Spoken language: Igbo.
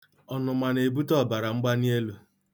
Ọnụma na-ebute ọbaramgbalielu.